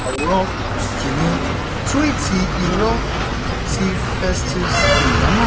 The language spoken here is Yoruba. Àwòrán 1: Túwíìtì irọ́ ti Festus Keyamo